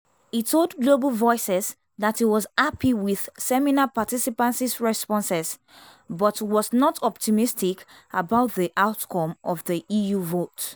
He told Global Voices that he was happy with seminar participants’ responses, but was not optimistic about the outcome of the EU vote.